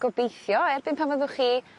gobeithio erbyn pan fyddwch chi